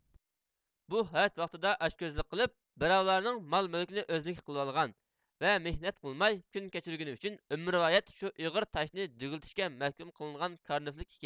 بۇ ھايات ۋاقتىدا ئاچ كۆزلۈك قىلىپ بىراۋلارنىڭ مال مۈلىكىنى ئۆزىنىڭكى قىلىۋالغان ۋە مېھنەت قىلماي كۈن كەچۈرگىنى ئۈچۈن ئۆمۈرۋايەت شۇ ئېغىر تاشنى دۈگىلىتىشكە مەھكۇم قىلىنغان كارىنفلىك ئىكەن